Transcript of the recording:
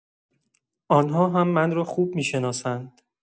آن‌ها هم من را خوب می‌شناسند.